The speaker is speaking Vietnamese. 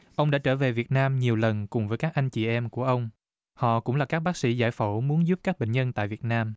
ông đã trở về việt nam nhiều lần cùng với các anh chị em của ông họ cũng là các bác sĩ giải phẫu muốn giúp các bệnh nhân tại việt nam